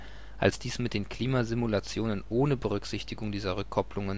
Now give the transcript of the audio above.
Klimasimulationen ohne Berücksichtigung dieser Rückkopplung